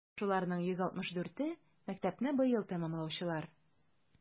Шуларның 164е - мәктәпне быел тәмамлаучылар.